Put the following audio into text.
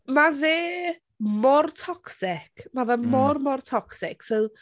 Ma' fe mor toxic. Ma' fe mor, mor toxic. So...